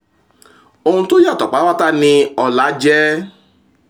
Ohun to yàtọ̀ pátápátá ni ọ̀lá jẹ́.